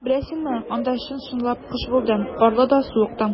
Беләсеңме, анда чын-чынлап кыш булды - карлы да, суык та.